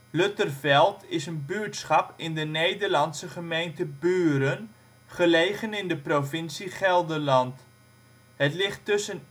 Lutterveld is een buurtschap in de Nederlandse gemeente Buren, gelegen in de provincie Gelderland. Het ligt tussen